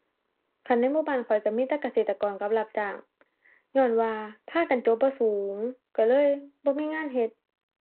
คันในหมู่บ้านข้อยก็มีแต่เกษตรกรกับรับจ้าง ญ้อนว่าพากันจบบ่สูงก็เลยบ่มีงานเฮ็ด